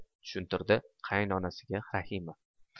tushuntirdi qayinonasiga rahima